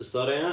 Y stori yna?...